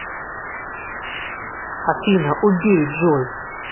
афина убей джой